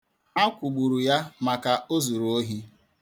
Ha kwụgburu ya maka o zuru ohi.